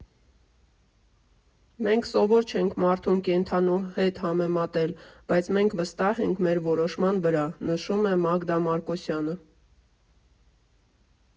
Մենք սովոր չենք մարդուն կենդանու հետ համեմատել, բայց մենք վստահ ենք մեր որոշման վրա», ֊ նշում է Մագդա Մարկոսյանը։